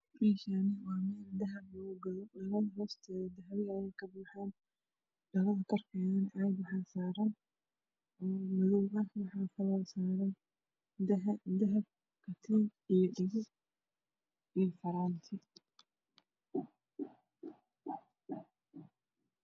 Meeshaani waa meel dahabi dhalada korkeeda caag madow dahabi katiinad faraanti